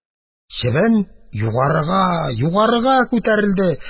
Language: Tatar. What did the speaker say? Чебен югарыга-югарыга күтәрелде.